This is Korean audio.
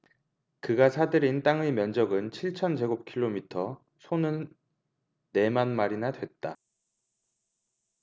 그가 사 들인 땅의 면적은 칠천 제곱키로미터 소는 네 만마리나 됐다